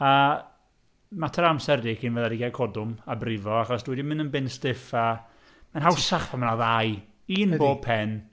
A mater o amser ydy cyn fydda i 'di cael codwm a brifo achos dwi 'di mynd yn benstiff a mae'n hawsach pan mae yna ddau, un pob pen.